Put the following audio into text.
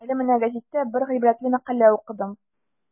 Әле менә гәзиттә бер гыйбрәтле мәкалә укыдым.